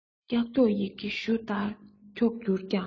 ཀྱོག ཀྱོག ཡི གེ གཞུ ལྟར འཁྱོག གྱུར ཀྱང